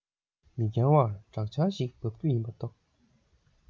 མི འགྱང བར དྲག ཆར ཞིག དབབ རྒྱུ ཡིན པ རྟོགས